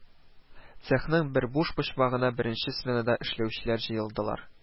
Цехның бер буш почмагына беренче сменада эшләүчеләр җыелдылар